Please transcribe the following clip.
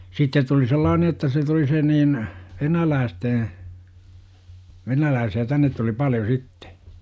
sitten tuli sellainen jotta se tuli se niin venäläisten Venäläisiä tänne tuli paljon sitten